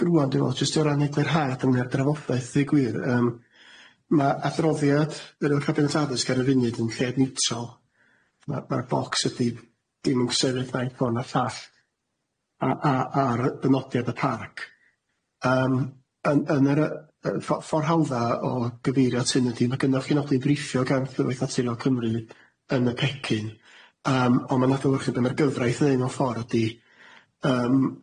rŵan dwi'n meddwl jyst o ranedrhaid yng nghe drafodaeth deud gwir yym ma' athroddiad yy o'r Cabinet Addysg ar y funud yn lle niwtral ma' ma'r bocs ydi ddim yn cyseddllai ffor ma'r llall a a a'r ddynodiad y parc yym yn yn yr yy yy ffo- ffor hawdd a o gyfeiriad hyn ydi ma' gynna'r llenodi'n briffio gan Llywodraeth Naturiol Cymru yn y pecyn yym on' ma' nath ddewrchyd yn y gyfraith yn un o ffor ydi yym